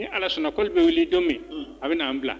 Ni Ala sɔnna k'olu be wuli don min unhun a ben'an bila